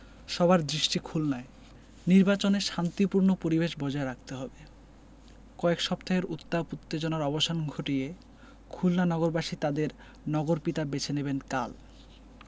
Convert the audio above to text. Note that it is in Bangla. সবার দৃষ্টি খুলনায় নির্বাচনে শান্তিপূর্ণ পরিবেশ বজায় রাখতে হবে কয়েক সপ্তাহের উত্তাপ উত্তেজনার অবসান ঘটিয়ে খুলনা নগরবাসী তাঁদের নগরপিতা বেছে নেবেন কাল